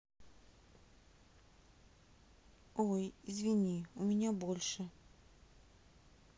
ой извини у меня больше